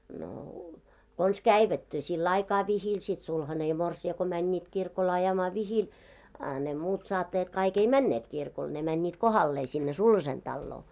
no konsa kävivät sillä aikaa vihillä sitten sulhanen ja morsian kun menivät kirkolle ajamaan vihille a ne muut saattajat kaikki ei menneet kirkolle ne menivät kohdalleen sinne sulhasen taloon